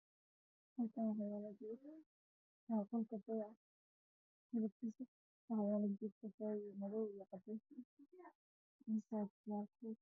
Waa qol waxaa yaalo sariir midabkeedu yahay madow